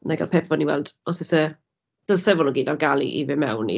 Wna i gael pip nawr i weld oes isie... dylsai fod nhw gyd fod ar gael i fynd mewn i...